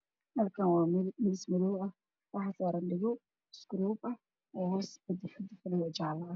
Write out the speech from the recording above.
Halkaan waxaa ka muuqdo dahab jaalo ah background kana waa madaw